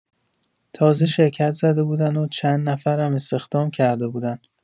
تازه شرکت زده بودن و چند نفرم استخدام کرده بودن.